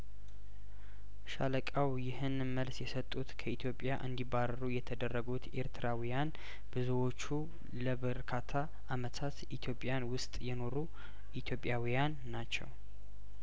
ሻለቃው ይህን መልስ የሰጡት ከኢትዮጵያ እንዲ ባረሩ የተደረጉት ኤርትራዊያን ቡዙዎቹ ለበርካታ አመታት ኢትዮጵያን ውስጥ የኖሩ ኢትዮጵያዊያን ናቸው